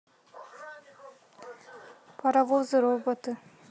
паровозы роботы